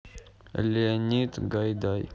леонид гайдай